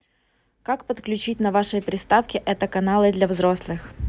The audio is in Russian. как подключить на вашей приставке это каналы для взрослых